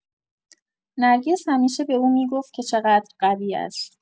نرگس همیشه به او می‌گفت که چقدر قوی است.